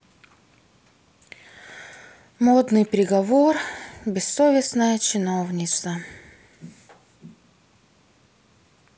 модный приговор бессовестная чиновница